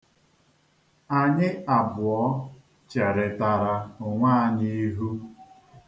Anyị abụọ cherịtara onwe anyị ihu.